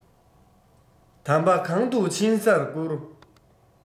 དམ པ གང དུ ཕྱིན སར བཀུར